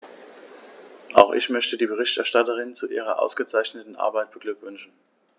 Auch ich möchte die Berichterstatterin zu ihrer ausgezeichneten Arbeit beglückwünschen.